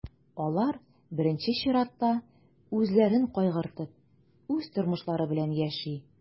Алар, беренче чиратта, үзләрен кайгыртып, үз тормышлары белән яши.